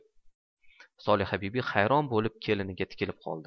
solihabibi hayron bo'lib keliniga tikilib qoldi